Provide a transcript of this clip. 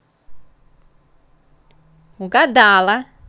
угадала